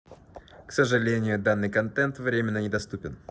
к сожалению данный контент временно недоступен